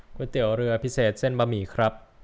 ก๋วยเตี๋ยวเรือพิเศษเส้นบะหมี่ครับ